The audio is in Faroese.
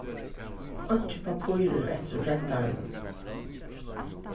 einki pappír er eftir í prentaranum